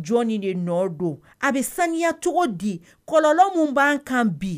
Jɔnni de nɔ don a bɛ saniyacogo di kɔlɔnlɔ min b'a kan bi